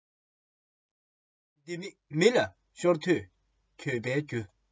རང ནོར རང ལ བདག དུས བསམ བློ ཐོངས